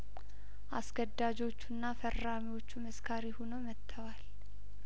አስገዳጆቹና ፈራሚዎቹ መስካሪ ሁነው መጥተዋል